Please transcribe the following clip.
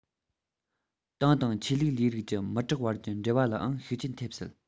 ཏང དང ཆོས ལུགས ལས རིགས ཀྱི མི དྲག བར གྱི འབྲེལ བ ལའང ཤུགས རྐྱེན ཐེབས སྲིད